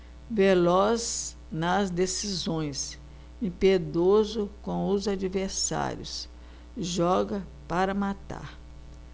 veloz nas decisões impiedoso com os adversários joga para matar